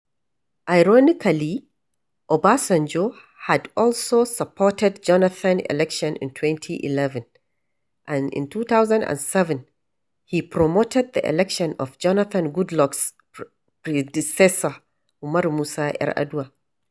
Ironically, Obasanjo had also supported Jonathan's election in 2011. And in 2007, he promoted the election of Jonathan Goodluck's predecessor, Umaru Musa Yar’Adua.